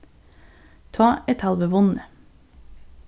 tá er talvið vunnið